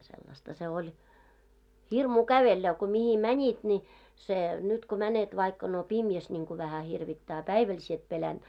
sellaista se oli hirmua kävellä kun mihin menit niin se nyt kun menet vaikka no pimeässä niin kuin vähän hirvittää a päivällä sinä et pelännyt